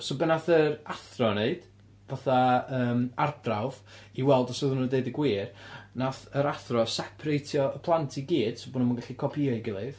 so be wnaeth yr athro wneud, fatha yym arbrawf, i weld os oedden nhw'n deud y gwir, wnaeth yr athro separatio y plant i gyd, so bod nhw'm yn gallu copïo'u gilydd...